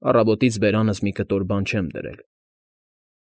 Առավոտից բերանս մի կտոր բան չեմ դրել։